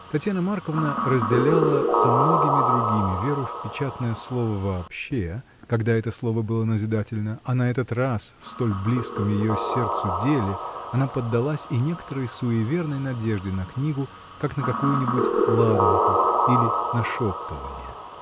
Татьяна Марковна разделяла со многими другими веру в печатное слово вообще, когда это слово было назидательно, а на этот раз, в столь близком ее сердцу деле, она поддалась и некоторой суеверной надежде на книгу, как на какую-нибудь ладанку или нашептыванье.